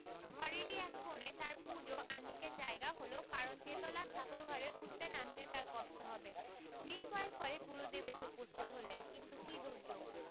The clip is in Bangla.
ঘরেরই এক কোণে তাঁর পূজো আহ্নিকের জায়গা হলো কারণ তেতলার ঠাকুরঘরে উঠতে নামতে তাঁর কষ্ট হবে দিন কয়েক পরে গুরুদেব এসে উপস্থিত হলেন কিন্তু কি দুর্যোগ